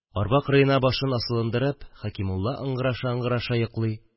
Арба кырыена башын асылындырып Хәкимулла ыңгыраша-ыңгыраша йоклый